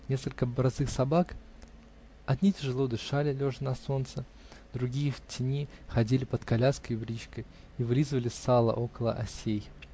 Несколько борзых собак -- одни тяжело дышали, лежа на солнце, другие в тени ходили под коляской и бричкой и вылизывали сало около осей.